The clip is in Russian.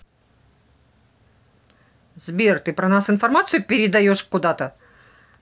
сбер ты про нас информацию передаешь куда то